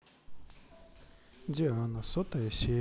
диана сотая серия